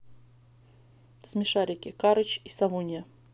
смешарики карыч и совунья